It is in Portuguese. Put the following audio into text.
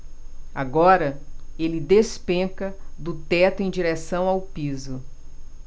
agora ele despenca do teto em direção ao piso